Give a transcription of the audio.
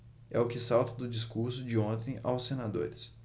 é o que salta do discurso de ontem aos senadores